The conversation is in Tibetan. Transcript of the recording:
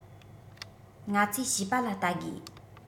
ང ཚོས བྱིས པ ལ བལྟ དགོས